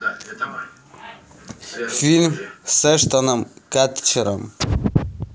фильмы с эштоном катчером